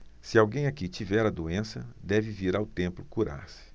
se alguém aqui tiver a doença deve vir ao templo curar-se